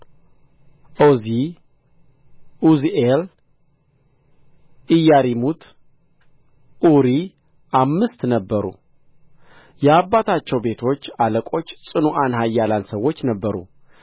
ኦዚ ዑዝኤል ኢያሪሙት ዒሪ አምስት ነበሩ የአባቶቻቸው ቤቶች አለቆች ጽኑዓን ኃያላን ሰዎች ነበሩ